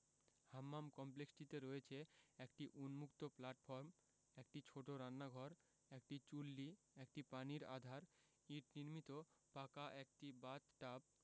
হাম্মাম কমপ্লেক্সটিতে রয়েছে একটি উন্মুক্ত প্লাটফর্ম একটি ছোট রান্নাঘর একটি চুল্লী একটি পানির আধার ইট নির্মিত পাকা একটি বাথ টাব